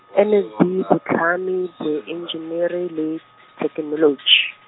N S B botlhami Boenjeniri le, thekenoloji.